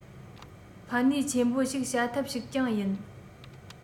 ཕན ནུས ཆེན པོ ཞིག བྱ ཐབས ཤིག ཀྱང ཡིན